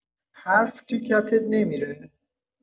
حرف تو کتت نمی‌ره؟